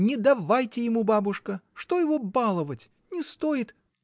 — Не давайте ему, бабушка: что его баловать? не стоит.